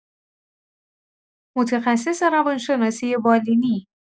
متخصص روان‌شناسی بالینی